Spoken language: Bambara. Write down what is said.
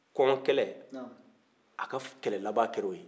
kɔnkɛlɛ a ka kɛlɛ laban kɛr'o ye